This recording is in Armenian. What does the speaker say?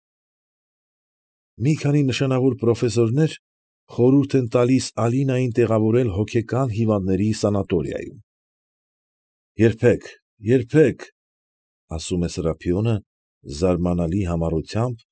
Մի քանի նշանավոր պրոֆեսորներ խորհուրդ են տալիս Ալինային տեղավորել հոգեկան հիվանդների սանատորիայում։ ֊ Երբեք, երբեք, ֊ ասում է Սրափիոնը, զարմանալի համառությամբ։